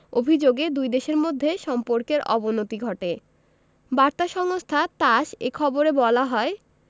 অভিযোগে দুই দেশের মধ্যে সম্পর্কের অবনতি ঘটে বার্তা সংস্থা তাস এর খবরে বলা হয়